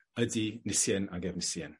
ydi Nisien ag Efnisien.